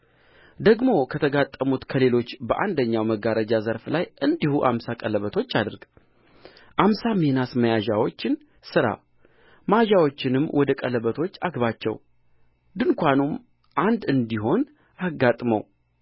ደግሞ ከተጋጠሙት ከሌሎቹ በአንድኛው መጋረጃ ዘርፍ ላይ እንዲሁ አምሳ ቀለበቶች አድርግ አምሳም የናስ መያዣዎችን ሥራ መያዣዎችንም ወደ ቀለበቶች አግባቸው ድንኳኑም አንድ እንዲሆን አጋጥመው